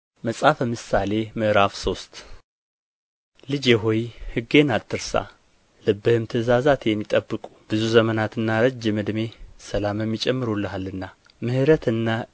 መጽሐፈ ምሳሌ ምዕራፍ ሶስት ልጄ ሆይ ሕጌን አትርሳ ልብህም ትእዛዛቴን ይጠብቅ ብዙ ዘመናትና ረጅም ዕድሜ ሰላምም ይጨምሩልሃልና ምሕረትና